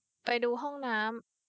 ไปดูห้องน้ำ